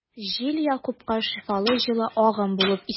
Җил Якупка шифалы җылы агым булып исә.